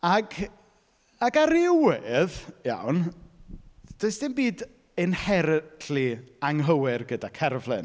Ac ac ar ryw wedd, iawn, does dim byd inherently anghywir gyda cerflun.